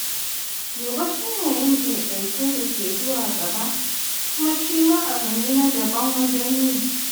Gobe shi ne yin daidaiku da ke zuwa gaba, kuma shima abu ne na daban wajen yi.